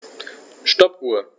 Stoppuhr.